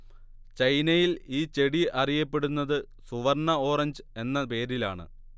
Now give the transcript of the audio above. ചൈനയിൽ ഈ ചെടി അറിയപ്പെടുന്നത് സുവർണ്ണ ഓറഞ്ച് എന്ന പേരിലാണ്